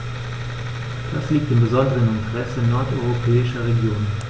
Dies liegt im besonderen Interesse nordeuropäischer Regionen.